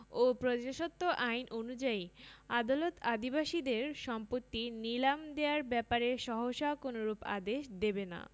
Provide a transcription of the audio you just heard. ও প্রজাস্বত্ব আইন অনুযায়ী আদালত আদিবাসীদের সম্পত্তি নীলাম দেয়ার ব্যাপারে সহসা কোনরূপ আদেশ দেবেনা